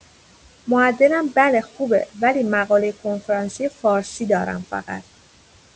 معدلم بله خوبه ولی مقاله کنفرانسی فارسی دارم فقط